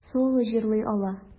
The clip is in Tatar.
Соло җырлый ала.